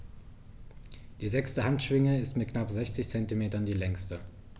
Die sechste Handschwinge ist mit knapp 60 cm die längste.